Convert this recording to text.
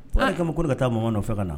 Ko' kama ko ka taa mɔgɔ nɔ nɔfɛ ka na